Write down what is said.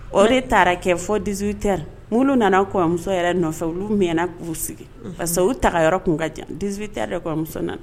O de taara kɛ fɔ dizw taara olu nana kɔmuso yɛrɛ nɔfɛ olu miɛna k'u sigi parce u taga yɔrɔ tun ka jan diz taara kɔmuso nana